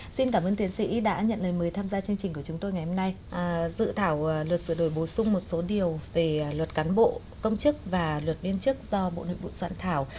xin cảm ơn tiến sĩ đã nhận lời mời tham gia chương trình của chúng tôi ngày hôm nay dự thảo luật sửa đổi bổ sung một số điều về luật cán bộ công chức và luật viên chức do bộ nội vụ soạn thảo